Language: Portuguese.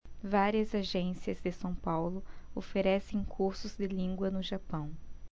várias agências de são paulo oferecem cursos de língua no japão